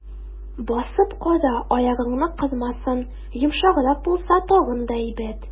Басып кара, аягыңны кырмасын, йомшаграк булса, тагын да әйбәт.